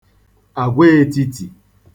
àgwaētītì